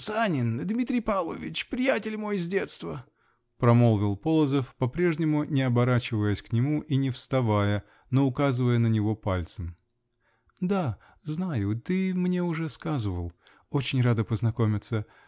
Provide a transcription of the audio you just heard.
-- Санин, Дмитрий Павлович, приятель мой с детства, -- промолвил Ползов, по-прежнему не оборачиваясь к нему и не вставая, но указывая на него пальцем. -- Да. знаю. Ты мне уже сказывал. Очень рада познакомиться.